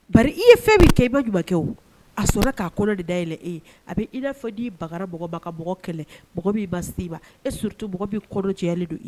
Bari i ye fɛn min kɛ i ma ɲuman kɛ o a sɔnna k'a kɔnɔ de dayɛlɛ e ye a bɛ ina fɔ n'i bagara mɔgɔ ma ka mɔgɔ kɛlɛ mɔgɔ min ma s'i ma et surtout mɔgɔ min kɔnɔ jɛyalen don i